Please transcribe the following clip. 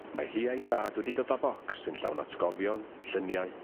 Mae hi a'i thad wedi dod â bocs y'n llawn atgofion lluniau